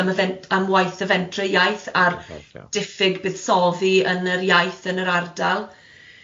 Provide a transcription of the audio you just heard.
a ma' fe'n- am waith y Fentre Iaith a'r diffyg bydsoddi yn yr iaith yn yr ardal.